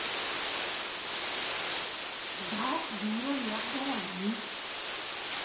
да дура нет головы